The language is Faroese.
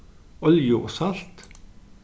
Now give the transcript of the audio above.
olju og salt